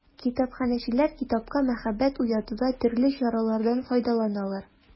Китапханәчеләр китапка мәхәббәт уятуда төрле чаралардан файдаланалар.